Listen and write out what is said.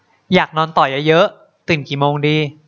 อยากนอนต่อเยอะเยอะตื่นกี่โมงดี